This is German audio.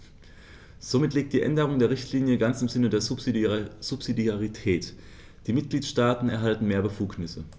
Somit liegt die Änderung der Richtlinie ganz im Sinne der Subsidiarität; die Mitgliedstaaten erhalten mehr Befugnisse.